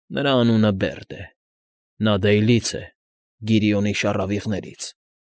Նրա անունը Բերդ է։ Նա Դեյլից է, Գիրիոնի շառավիղներից։